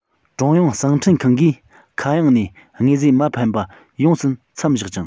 ཀྲུང དབྱང གསང འཕྲིན ཁང གིས མཁའ དབྱིངས ནས དངོས རྫས མར འཕེན པ ཡོངས སུ མཚམས བཞག ཅིང